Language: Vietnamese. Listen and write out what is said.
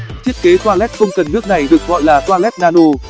thiết kế toilet khôngcầnnước này được gọi là toilet nano